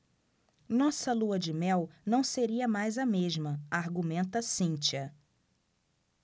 nossa lua-de-mel não seria mais a mesma argumenta cíntia